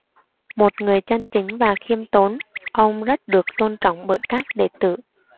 một người chân chính và khiêm tốn ông rất được tôn trọng bởi các đệ tử